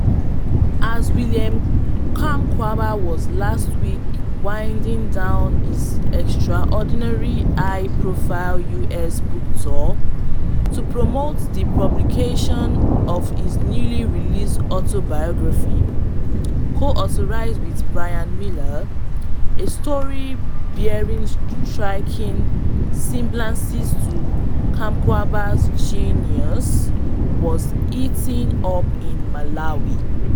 As William Kamkwamba was last week winding down his extraordinary, high profile US book tour to promote the publication of his newly released autobiography, co-authored with Bryan Mealer, a story bearing striking semblances to Kamkwamba's genius was heating up in Malawi.